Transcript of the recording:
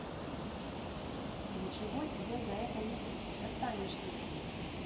нечего тебе за это не будет останешься здесь